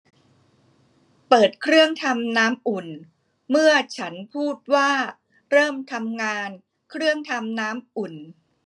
เปิดเครื่องทำน้ำอุ่นเมื่อฉันพูดว่าเริ่มทำงานเครื่องทำน้ำอุ่น